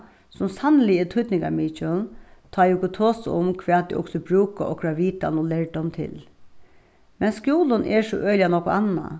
sum sanniliga er týdningarmikil tá ið okur tosa um hvat ið okur skulu brúka okra vitan og lærdóm til men skúlin er so øgiliga nógv annað